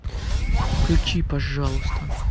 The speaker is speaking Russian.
выключи пожалуйста